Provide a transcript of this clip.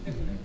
dëgg la